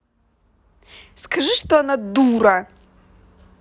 скажи что она дура